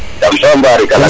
jam soom barikala